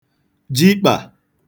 jikpà